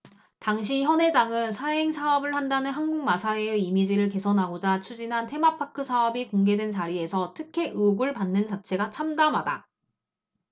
당시 현 회장은 사행사업을 한다는 한국마사회의 이미지를 개선하고자 추진한 테마파크 사업이 공개된 자리에서 특혜 의혹을 받는 자체가 참담하다